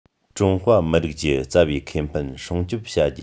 ཀྲུང ཧྭ མི རིགས ཀྱི རྩ བའི ཁེ ཕན སྲུང སྐྱོང བྱ རྒྱུ